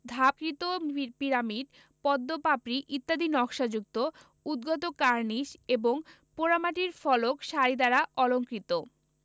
ধাপকৃত পিরামিডপদ্ম পাপড়ি ইত্যাদি নকশাযুক্ত উদ্গত কার্নিস এবং পোড়ামাটির ফলক সারি দ্বারা অলঙ্কৃত